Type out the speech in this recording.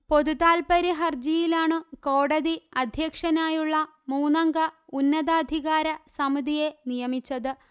പൊതു താല്പര്യ ഹർജിയിലാണു കോടതി അധ്യക്ഷനായുളള മൂന്നംഗ ഉന്നതാധികാര സമിതിയെ നിയമിച്ചത്